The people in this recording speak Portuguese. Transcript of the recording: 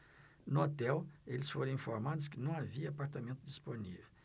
no hotel eles foram informados que não havia apartamento disponível